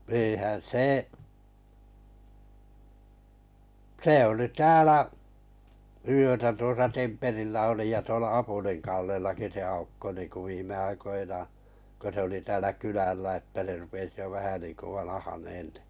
eihän se se oli täällä yötä tuossa Temperillä oli ja tuolla Apulin Kallellakin se Aukko niin kuin viime aikoinaan kun se oli täällä kylällä että se rupesi jo vähän niin kuin vanhenemaan niin